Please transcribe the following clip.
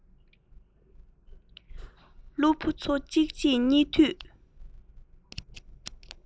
སློབ བུ ཚོ གཅིག རྗེས གཉིས མཐུད